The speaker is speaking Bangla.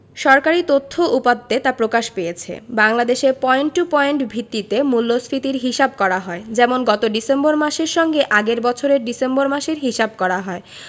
সরকারি তথ্য উপাত্তে তা প্রকাশ পেয়েছে বাংলাদেশে পয়েন্ট টু পয়েন্ট ভিত্তিতে মূল্যস্ফীতির হিসাব করা হয় যেমন গত ডিসেম্বর মাসের সঙ্গে আগের বছরের ডিসেম্বর মাসের হিসাব করা হয়